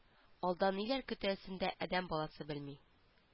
Алда ниләр көтәсен дә адәм баласы белми